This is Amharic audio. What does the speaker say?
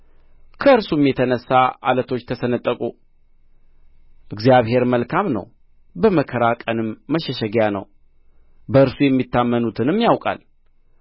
ከእርሱም የተነሣ ዓለቶች ተሰነጠቁ እግዚአብሔር መልካም ነው በመከራ ቀንም መሸሸጊያ ነው በእርሱ የሚታመኑትንም ያውቃል